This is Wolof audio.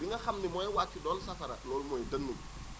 li nga xam ne mooy wàcc doon safara loolu mooy dënnu